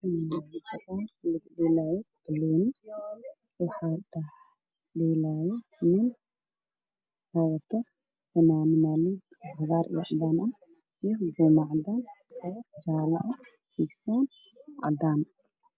Waa garoon waxaa joogo nin bannaan dheelaya wata fanaanad cagaar kuma caddaan dhulka waa cagaar